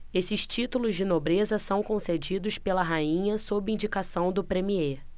esses títulos de nobreza são concedidos pela rainha sob indicação do premiê